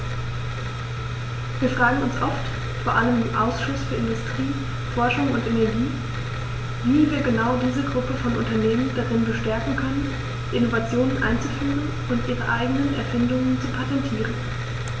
Wir fragen uns oft, vor allem im Ausschuss für Industrie, Forschung und Energie, wie wir genau diese Gruppe von Unternehmen darin bestärken können, Innovationen einzuführen und ihre eigenen Erfindungen zu patentieren.